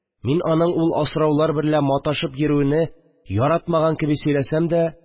Мин аның ул асраулар берлә маташып йөрүене яратмаган кеби сөйләсәм д